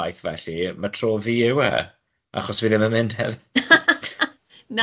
o'r ffaith felly, ma' tro fi yw e, achos fi ddim yn mynd hef-